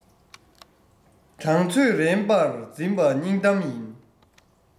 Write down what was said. དྲང ཚོད རན པར འཛིན པ སྙིང གཏམ ཡིན